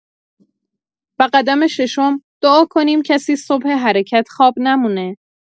و قدم ششم، دعا کنیم کسی صبح حرکت خواب نمونه.